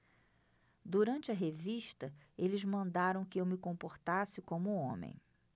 durante a revista eles mandaram que eu me comportasse como homem